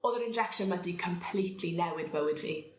o'dd yr injection ma' 'di completely newid bywyd fi.